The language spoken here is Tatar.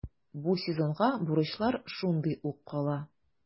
Бу сезонга бурычлар шундый ук кала.